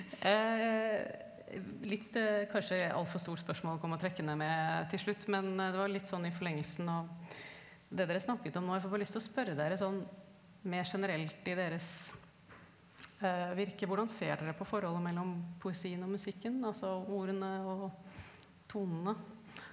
litt kanskje alt for stort spørsmål å komme trekkende med til slutt men det var litt sånn i forlengelsen av det dere snakket om nå jeg får bare lyst til å spørre dere sånn mer generelt i deres virke, hvordan ser dere på forholdet mellom poesien og musikken altså ordene og tonene?